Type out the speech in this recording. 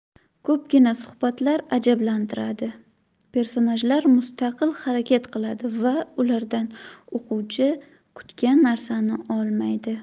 ko'pgina suhbatlar ajablantiradi personajlar mustaqil harakat qiladi va ulardan o'quvchi kutgan narsani olmaydi